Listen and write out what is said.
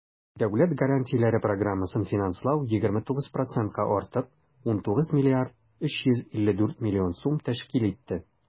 Дәүләт гарантияләре программасын финанслау 29 процентка артып, 19 млрд 354 млн сум тәшкил итте.